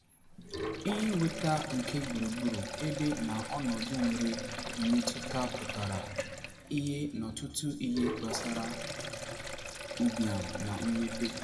Ihe nweta nke gburugburu ebe na ọnọdụ nwere mmetụta pụtara ìhè n'ọtụtụ ihe gbasara ụbịam na mmepe.